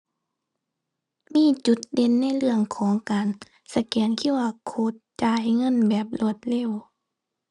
มีจุดเด่นในเรื่องของการสแกน QR code จ่ายเงินแบบรวดเร็ว